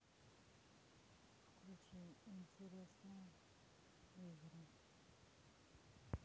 включи интересные игры